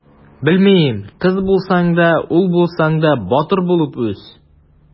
Белмим: кыз булсаң да, ул булсаң да, батыр булып үс!